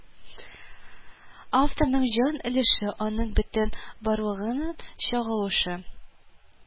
Авторның җан өлеше, аның бөтен барлыгының чагылышы